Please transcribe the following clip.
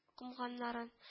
Комганнарын